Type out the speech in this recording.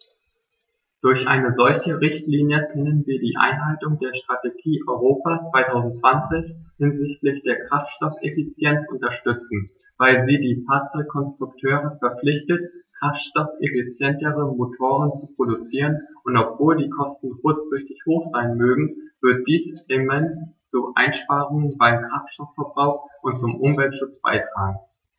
Durch eine solche Richtlinie können wir die Einhaltung der Strategie Europa 2020 hinsichtlich der Kraftstoffeffizienz unterstützen, weil sie die Fahrzeugkonstrukteure verpflichtet, kraftstoffeffizientere Motoren zu produzieren, und obwohl die Kosten kurzfristig hoch sein mögen, wird dies immens zu Einsparungen beim Kraftstoffverbrauch und zum Umweltschutz beitragen.